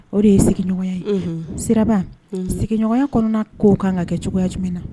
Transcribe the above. O de ye sigiɲɔgɔn ye sira sigiɲɔgɔn kɔnɔna ko'o kan ka kɛ cogoya jumɛn na